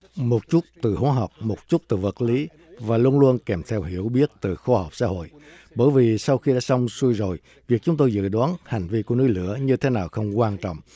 một chút từ hóa học một chút từ vật lý và luôn luôn kèm theo hiểu biết từ khoa học xã hội bởi vì sau khi đã xong xuôi rồi việc chúng tôi dự đoán hành vi của núi lửa như thế nào không quan trọng